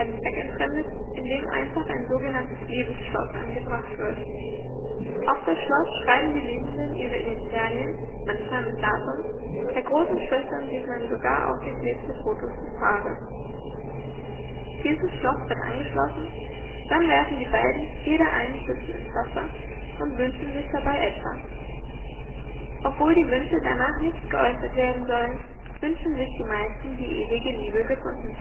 zweckentfremdet, indem einfach ein sogenanntes „ Liebesschloss “angebracht wird. Auf das Schloss schreiben die Liebenden ihre Initialen, manchmal mit Datum, bei großen Schlössern sieht man sogar aufgeklebte Fotos des Paares. Dieses Schloss wird angeschlossen, dann werfen die beiden jeder einen Schlüssel ins Wasser und wünschen sich dabei etwas. Obwohl die Wünsche danach nicht geäußert werden sollen, wünschen sich die meisten, die ewige Liebe gefunden